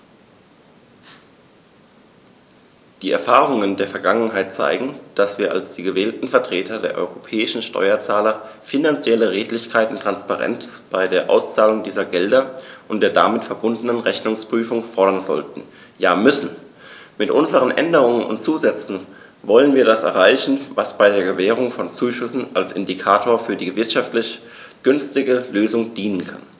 Die Erfahrungen der Vergangenheit zeigen, dass wir als die gewählten Vertreter der europäischen Steuerzahler finanzielle Redlichkeit und Transparenz bei der Auszahlung dieser Gelder und der damit verbundenen Rechnungsprüfung fordern sollten, ja müssen. Mit unseren Änderungen und Zusätzen wollen wir das erreichen, was bei der Gewährung von Zuschüssen als Indikator für die wirtschaftlich günstigste Lösung dienen kann.